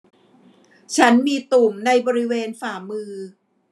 ฉันมีตุ่มในบริเวณฝ่ามือ